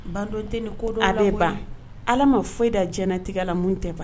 Badɔ tɛ ni ko ba ala ma foyi da jti la mun tɛ ban